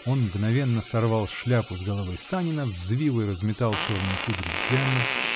он мгновенно сорвал шляпу с головы Санина, взвил и разметал черные кудри Джеммы.